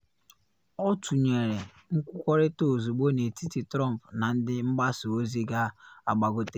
Ọ tụnyere nkwukọrịta ozugbo n’etiti Trump na ndị mgbasa ozi ga-agbagote.